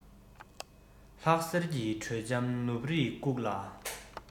ལྷག ཟེར གྱི དྲོད འཇམ ནུབ རིས བཀུག ལ